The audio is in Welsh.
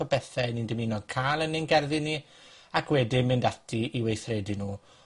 o bethe ni'n dymuno ca'l yn ein gerddi ni, ac wedyn mynd ati i weithredu nw.